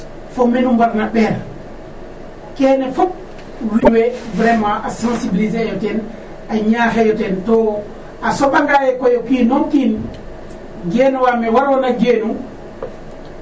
fo menu mbarna ɓeer kene fop wiin we vraiment a sensibliser aayo ten a ñaay axe yo ten to a soɓangaa ye koy o kiin o kiin geenwa me waroona genu.